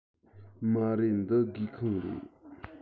མ རེད འདི སྒེའུ ཁུང རེད